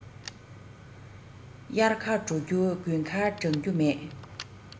དབྱར ཁ དྲོ རྒྱུ དགུན ཁ གྲང རྒྱུ མེད